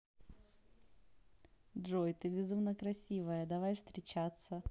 джой ты безумно красивая давай встречаться